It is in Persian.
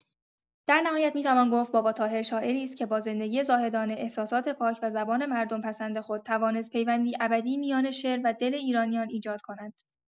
در نهایت می‌توان گفت باباطاهر شاعری است که با زندگی زاهدانه، احساسات پاک و زبان مردم پسند خود توانست پیوندی ابدی میان شعر و دل ایرانیان ایجاد کند.